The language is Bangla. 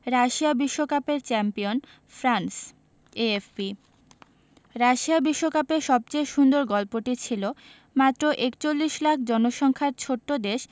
রাশিয়া বিশ্বকাপের চ্যাম্পিয়ন ফ্রান্স এএফপি রাশিয়া বিশ্বকাপে সবচেয়ে সুন্দর গল্পটি ছিল মাত্র ৪১ লাখ জনসংখ্যার ছোট্ট দেশ